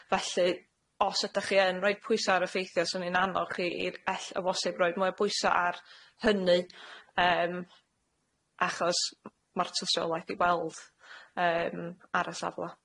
Felly, os ydach chi yn roi'r pwysa' ar effeithia', swn i'n annog chi i ell- o bosib roi mwy o bwysa' ar hynny, yym achos ma'r tystiolaeth i weld yym ar y safla.